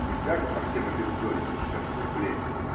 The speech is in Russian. Нельзя же совсем обездолить несчастное племя.